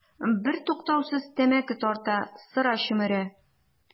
Бертуктаусыз тәмәке тарта, сыра чөмерә.